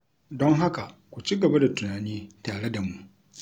Don haka ku cigaba da tunani tare da mu!